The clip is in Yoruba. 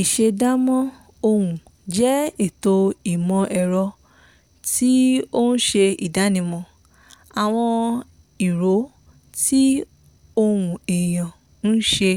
Ìṣèdámọ̀ ohùn jẹ́ ètò ìmọ̀-ẹ̀rọ tí ó ń ṣe ìdámọ̀ àwọn ìró tí ohùn èèyàn ń ṣe